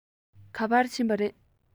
ག པར ཕྱིན པ རེད